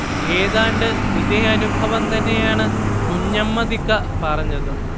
ഏതാണ്ട് ഇതേ അനുഭവം തന്നെയാണ് കുഞ്ഞമ്മദിക്ക പറഞ്ഞതും